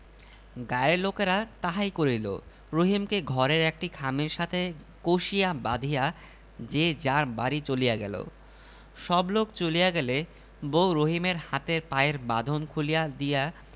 গাঁয়ের লোকেরা তাহাই করিল রহিমকে ঘরের একটি খামের সাথে কষিয়া বাধিয়া যে যার বাড়ি চলিয়া গেল সবলোক চলিয়া গেলে বউ রহিমের হাতের পায়ের বাঁধন খুলিয়া দিয়া